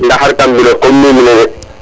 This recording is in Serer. ndaxar kam mbinef comme niin nke rek